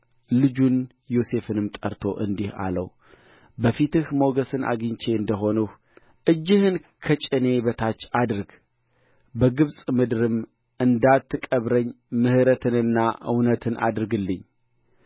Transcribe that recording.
ልጁን ዮሴፍንም ጠርቶ እንዲህ አለው በፊትህ ሞገስን አግኝቼ እንደ ሆንሁ እጅህን ከጭኔ በታች አድርግ በግብፅ ምድርም እንዳትቀብረኝ ምሕረትንና እውነትን አድርግልኝ